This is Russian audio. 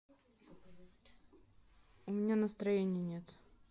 у меня настроения нет